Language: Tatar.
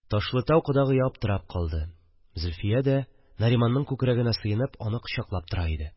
Ташлытау кодагые аптырап калды: Зөлфия дә, Нариманның күкрәгенә сыенып, аны кочаклап тора иде